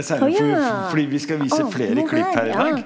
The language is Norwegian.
å ja, jeg ante noe her ja.